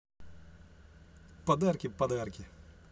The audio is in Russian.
подарки подарки